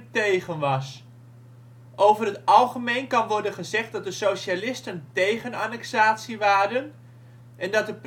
tegen was. Over het algemeen kan worden gezegd dat de socialisten tegen annexatie waren en dat de